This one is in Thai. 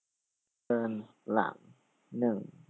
เดินหลังหนึ่ง